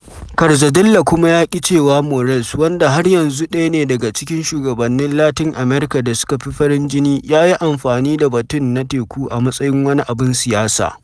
Calzadilla kuma ya ƙi cewa Morales - wanda har yanzu ɗaya ne daga shugabannin Latin America da suka fi farin jini - ya yi amfani ne da batun na teku a matsayin wani abin siyasa.